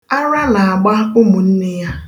̣Ara na-agba ụmụnne ya